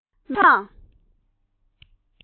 མིན ན སྐར གྲངས